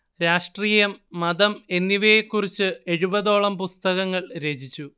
രാഷ്ട്രീയം മതം എന്നിവയെക്കുറിച്ച് എഴുപതോളം പുസ്തകങ്ങൾ രചിച്ചു